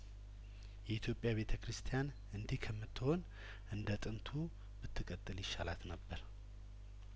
የኢትዮጵያ ቤተ ክርስቲያን እንዲህ ከምት ሆን እንደጥንቱ ብትቀጥል ይሻላት ነበር